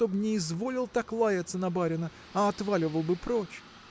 чтоб он не изволил так лаяться на барина а отваливал бы прочь.